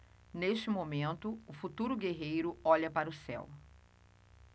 neste momento o futuro guerreiro olha para o céu